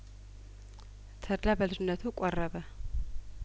ተድላ በልጅነቱ ቆረበ